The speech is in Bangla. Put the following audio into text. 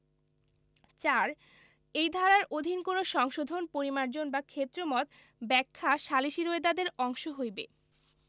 ৪ এই ধারার অধীন কোন সংশোধন পরিমার্জন বা ক্ষেত্রমত ব্যাখ্যা সালিসী রোয়েদাদদের অংশ হইবে